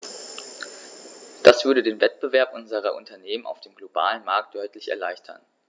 Das würde den Wettbewerb unserer Unternehmen auf dem globalen Markt deutlich erleichtern.